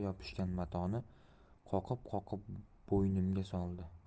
yopishgan matoni qoqib qoqib bo'ynimga soldi